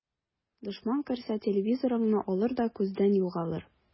Дошман керсә, телевизорыңны алыр да күздән югалыр.